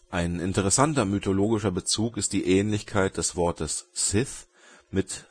Ein interessanter mythologischer Bezug ist die Ähnlichkeit des Wortes „ Sith “mit